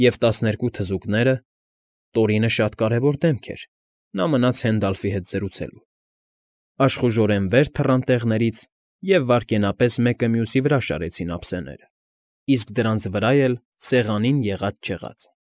Եվ տասներկու թզուկները (Տորինը շատ կարևոր դեմք էր, նա մնաց Հենդալֆի հետ զրուցելու) աշխուժորեն վեր թռան տեղներից և վայրկենապես մեկը մյուսի վրա շարեցին ափսեները, իսկ դրանց վրա էլ՝ սեղանին եղած֊չեղածը։